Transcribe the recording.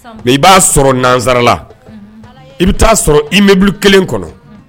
I b'a sɔrɔ nanzsarala i bɛ taaa sɔrɔ i bɛ bulu kelen kɔnɔ